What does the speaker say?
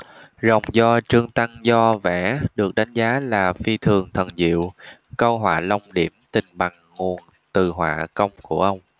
rồng do trương tăng do vẽ được đánh giá là phi thường thần diệu câu họa long điểm tình bằng nguồn từ họa công của ông